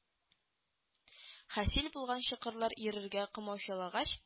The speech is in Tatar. Хасил булган чокырлар йөрергә комачаулагач